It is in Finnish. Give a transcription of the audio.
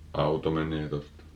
auto menee tuosta